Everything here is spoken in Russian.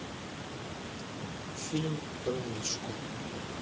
фильм про мишку